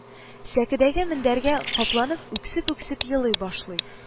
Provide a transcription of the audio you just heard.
Сәкедәге мендәргә капланып үксеп-үксеп елый башлый